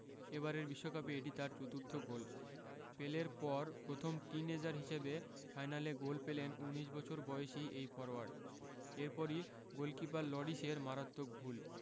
এবারের বিশ্বকাপে এটি তার চতুর্থ গোল পেলের পর প্রথম টিনএজার হিসেবে ফাইনালে গোল পেলেন ১৯ বছর বয়সী এই ফরোয়ার্ড এরপরই গোলকিপার লরিসের মারাত্মক ভুল